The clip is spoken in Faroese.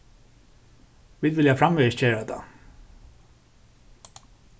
vit vilja framvegis gera tað